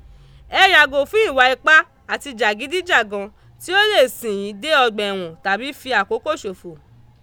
Ẹ yàgò fún ìwà ipá àti jàgídíjàgan tí ó lè sìn yín dé ọgbà ẹ̀wọ̀n tàbí fi àkókò ṣòfò.